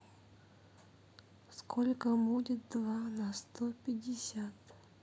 сколько будет два на сто пятьдесят